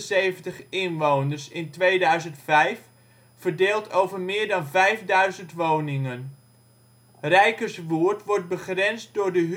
13.178 inwoners (2005), verdeeld over meer dan 5000 woningen. Rijkerswoerd wordt begrensd door de